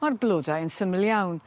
ma'r blodau yn syml iawn